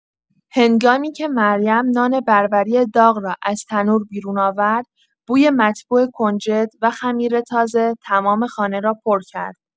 هنگامی‌که مریم نان بربری داغ را از تنور بیرون آورد، بوی مطبوع کنجد و خمیر تازه تمام خانه را پر کرد.